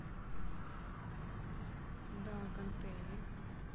да гантели